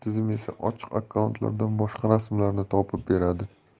tizim esa ochiq akkauntlardan boshqa rasmlarni topib beradi